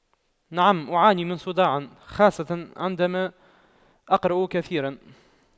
نعم أعاني من صداع خاصة عندما اقرأ كثيرا